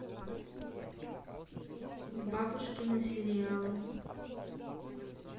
бабушкины сериалы